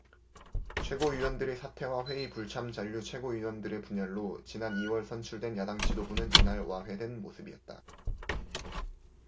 최고위원들의 사퇴와 회의 불참 잔류 최고위원들의 분열로 지난 이 월 선출된 야당 지도부는 이날 와해된 모습이었다